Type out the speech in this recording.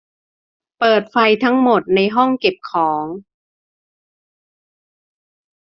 เปิดไฟทั้งหมดในห้องเก็บของ